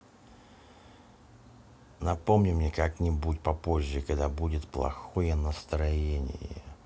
напомни мне как нибудь попозже когда будет плохое настроение